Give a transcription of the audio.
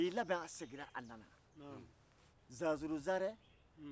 kɔ ni o tɛ e ni i cɛ ka fɔ bin ɲogɔnna ko wawu